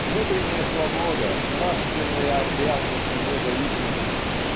Внутренняя свобода, нравственная опрятность и независимость